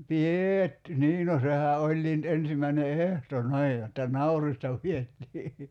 - niin no sehän olikin nyt ensimmäinen ehto niin jotta naurista pidettiin